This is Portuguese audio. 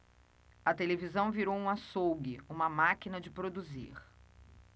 a televisão virou um açougue uma máquina de produzir